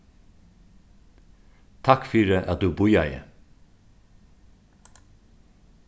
takk fyri at tú bíðaði